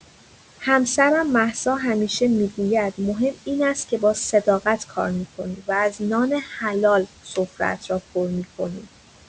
همسرم مهسا همیشه می‌گوید مهم این است که با صداقت کار می‌کنی و از نان حلال سفره‌ات را پر می‌کنی.